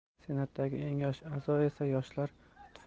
senatdagi eng yosh a'zo esa